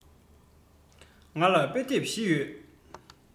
ང ལ དཔེ དེབ བཞི ཡོད